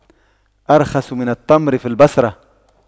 أرخص من التمر في البصرة